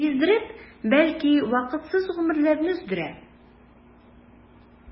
Биздереп, бәлки вакытсыз гомерләрне өздерә.